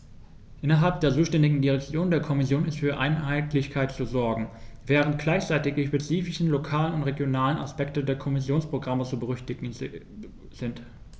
Innerhalb der zuständigen Direktion der Kommission ist für Einheitlichkeit zu sorgen, während gleichzeitig die spezifischen lokalen und regionalen Aspekte der Kommissionsprogramme zu berücksichtigen sind.